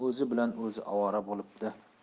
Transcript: bilan o'zi ovora bo'libdi